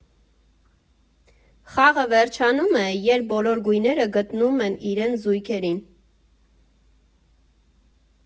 Խաղը վերջանում է, երբ բոլոր գույները գտնում են իրենց զույգերին։